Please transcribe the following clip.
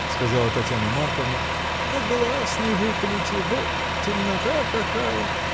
— сказала Татьяна Марковна, — да глаз не выколите: вон темнота какая!